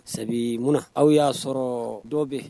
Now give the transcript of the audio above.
Sabu munna aw y'a sɔrɔ dɔw bɛ